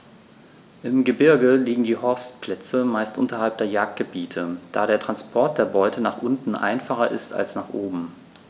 Im Gebirge liegen die Horstplätze meist unterhalb der Jagdgebiete, da der Transport der Beute nach unten einfacher ist als nach oben.